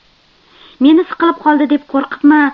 meni siqilib qoldi deb qo'rqibmi